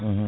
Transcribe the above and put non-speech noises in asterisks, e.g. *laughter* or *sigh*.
*hesitation* *hesitation*